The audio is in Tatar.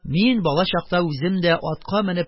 - мин бала чакта үзем дә, атка менеп,